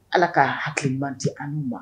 Ala ka' hakili man di an ma